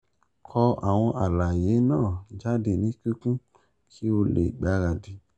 Kọ àwọn àlàyé náà jáde ní kíkún kí ó lè gbaradì.